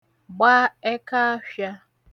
gba ẹkaafhịā